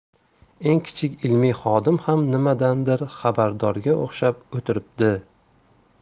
eng kichik ilmiy xodim ham nimadandir xabardorga o'xshab o'tiribdi